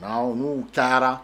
Nka n'u taara